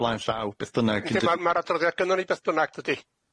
o flaen llaw beth bynnag Yndi ma' ma'r adroddiada gynnon ni beth bynnag dydi?